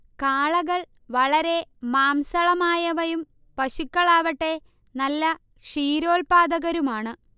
കാളകൾ വളരെ മാംസളമായവയും പശുക്കളാവട്ടെ നല്ല ക്ഷീരോത്പാദകരുമാണ്